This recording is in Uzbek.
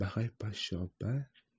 baxay poshsha opa